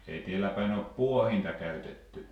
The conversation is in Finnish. ei täällä päin ole pohdinta käytetty